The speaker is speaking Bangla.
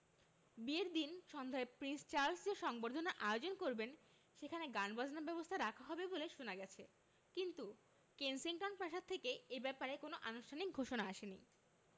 বিয়ের দিন সন্ধ্যায় প্রিন্স চার্লস যে সংবর্ধনার আয়োজন করবেন সেখানে গানবাজনার ব্যবস্থা রাখা হবে বলে শোনা গেছে কিন্তু কেনসিংটন প্রাসাদ থেকে এ ব্যাপারে কোনো আনুষ্ঠানিক ঘোষণা আসেনি